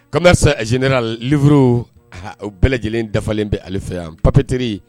Kabini aze liuru bɛɛ lajɛlen dafalen bɛ ale fɛ yan papite